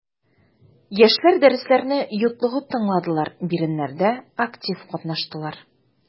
Яшьләр дәресләрне йотлыгып тыңладылар, биремнәрдә актив катнаштылар.